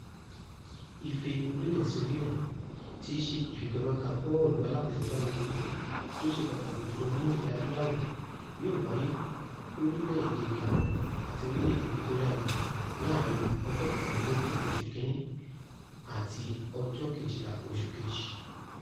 Ife Orílè-sí-orílẹ̀, tíí ṣe ìfigagbága bọọ́ọ̀lù aláfẹsẹ̀gbá gbogbogbò tí ó ṣe pàtàkì jùlọ ní Ilẹ̀ Adúláwò, yóò wáyé ní orílẹ̀ èdè Gabon àti orílẹ́ èdè Equatorial Guinea láàárín 21 Oṣù Kínní àti 12 Oṣù Kejì.